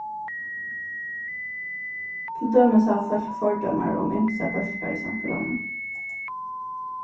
til dømis hava fólk fordómar um ymsar bólkar í samfelagnum